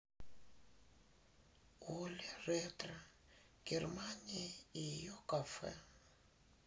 оля ретро германия и ее кафе